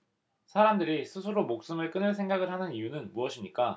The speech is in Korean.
사람들이 스스로 목숨을 끊을 생각을 하는 이유는 무엇입니까